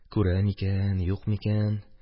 Күрә микән, юк микән?